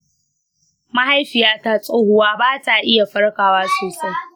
mahaifiyata tsohuwa ba ta iya farkawa sosai.